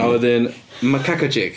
A wedyn macaque chick.